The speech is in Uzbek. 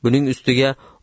buning ustiga